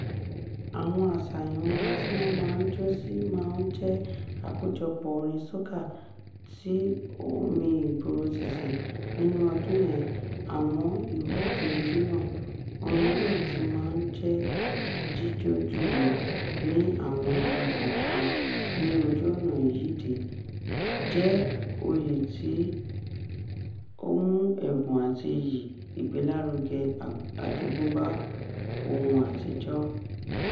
Àwọn àṣàyàn orin tí wọ́n máa ń jó sí máa ń jẹ́ àkójọpọ̀ orin soca tí ó mi ìgboro títì nínú ọdún yẹn, àmọ́ Ìwọ́de Ojúnà — orin náà tí máa ń jẹ́ jíjó jù lọ ní àwọn ibi kọ̀ọ̀kan ní ojú ọ̀nà ìyíde — jẹ́ oyè tí ó mú ẹ̀bùn àti iyì ìgbélárugẹ àjogúnbá ohun àtijọ́.